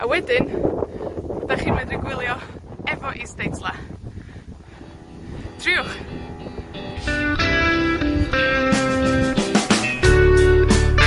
A wedyn, 'dach chi'n medru gwylio efo isdeitla. Triwch.